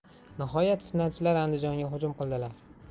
nihoyat fitnachilar andijonga hujum qildilar